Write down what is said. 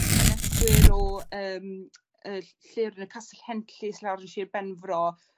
haneswyr o yym yy ll' lle'r y Castell Henllys lawr yn Shir Benfro